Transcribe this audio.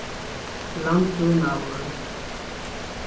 landbúnaður